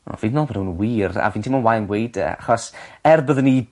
O fi'n meddwl bod wnna wir a fi'n timlo'n wael yn gweud e achos er byddwn i